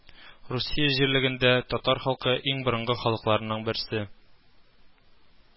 Русия җирлегендә татар халкы иң борынгы халыкларның берсе